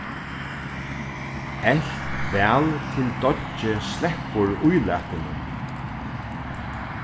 elt væl til deiggið sleppur ílatinum